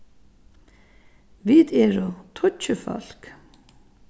vit eru tíggju fólk